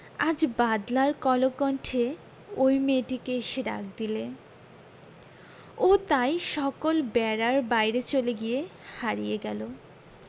আজ বাদলার কলকণ্ঠে ঐ মেয়েটিকে এসে ডাক দিলে ও তাই সকল বেড়ার বাইরে চলে গিয়ে হারিয়ে গেল